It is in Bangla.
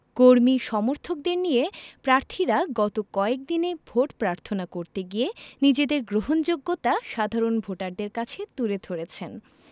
কর্মী সমর্থকদের নিয়ে প্রার্থীরা গত কয়েক দিনে ভোট প্রার্থনা করতে গিয়ে নিজেদের গ্রহণযোগ্যতা সাধারণ ভোটারদের কাছে তুলে ধরেছেন